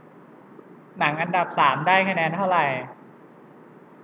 หนังอันดับสามได้คะแนนเท่าไหร่